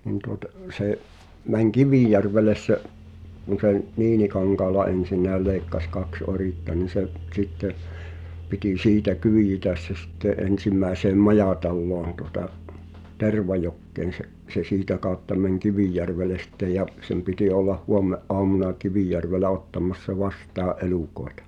niin tuota se meni Kivijärvelle se kun se - Niinikankaalla ensinnäkin leikkasi kaksi oritta niin se sitten piti siitä kyyditä se sitten ensimmäiseen majataloon tuota Tervajokeen se se siitä kautta meni Kivijärvelle sitten ja sen piti olla huomenaamuna Kivijärvellä ottamassa vastaan elukoita